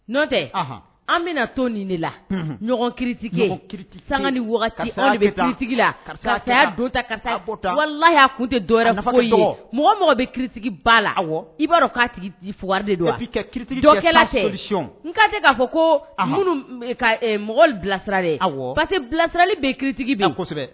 N tɛ an bɛna toon ni ne la ɲɔgɔn kitigi la walala y'a kun tɛ dɔwɛrɛ ye mɔgɔ mɔgɔ bɛ kitigi ba la i'aug dona fɔ ko mɔgɔ bilasiralen parce bilasirarali bɛ kitigi bila